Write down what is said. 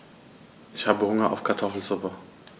Ich habe Hunger auf Kartoffelsuppe.